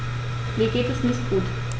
Mir geht es nicht gut.